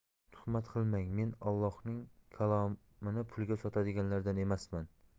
tuhmat qilmang men allohning kalomini pulga sotadiganlardan emasman